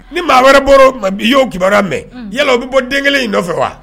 Ni maa wɛrɛ bɔ i y'o kiba mɛn yala o bɛ bɔ den kelen in fɛ wa